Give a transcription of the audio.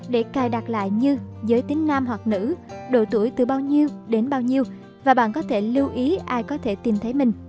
để cài đặt lại như giới tính nam hoặc nữ độ tuổi từ bao nhiêu đến bao nhiêu và bạn có thể lưu ý ai có thể tìm thấy mình